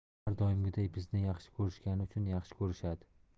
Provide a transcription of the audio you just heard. har doimgiday bizni yaxshi ko'rishgani uchun yaxshi ko'rishadi